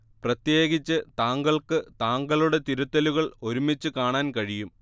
പ്രത്യേകിച്ച് താങ്കൾക്ക് താങ്കളുടെ തിരുത്തലുകൾ ഒരുമിച്ച് കാണാൻ കഴിയും